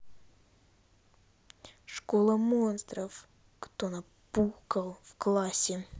школа монстров кто напукал классе